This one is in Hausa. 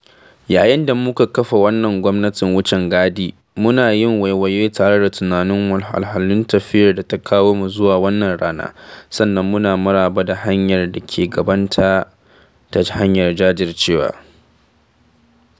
Yayin da muke kafa wannan gwamnatin wucin gadi, muna yi waiwaye tare da tunanin wahalhalun tafiyar da ta kawo mu zuwa wannan rana, sannan muna maraba da hanyar da ke gabanta ta hanyar jajircewa.